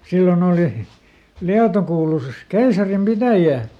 silloin oli Lieto kuului keisarin pitäjään